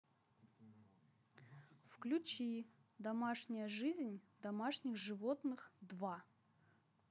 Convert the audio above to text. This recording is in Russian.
включи домашняя жизнь домашних животных два